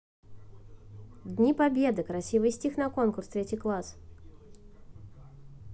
дни победы красивый стих на конкурс третий класс